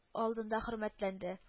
Алдында хөрмәтләнде